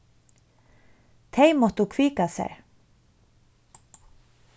tey máttu kvika sær